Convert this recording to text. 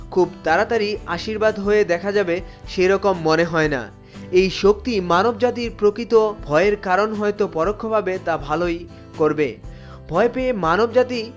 খুব তাড়াতাড়ি আশীর্বাদ হয়ে দেখা যাবে সেরকম মনে হয় না এই শক্তি মানবজাতির প্রকৃত ভয়ের কারণ হয়তো পরোক্ষভাবে তা ভালই হয়তো ভালই করবেভয় পেয়ে মানব জাতি